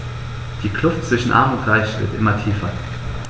Die Kluft zwischen Arm und Reich wird immer tiefer.